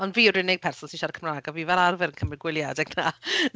Ond fi yw'r unig person sy'n siarad Cymraeg a fi fel arfer yn cymryd gwyliau adeg 'na!